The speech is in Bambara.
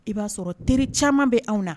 I b'a sɔrɔ teriri caman bɛ anw na